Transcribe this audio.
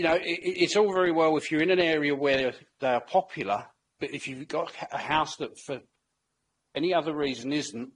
You know, it- it- it's all very well if you're in an area where they are popular, but if you've got a house that for any other reason isn't,